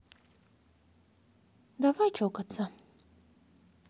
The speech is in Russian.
давай чокаться